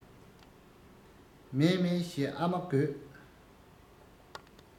མཱེ མཱེ ཞེས ཨ མ དགོད